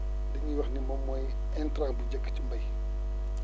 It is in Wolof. dañuy wax ne moom mooy intrant bu njëkk ci mbey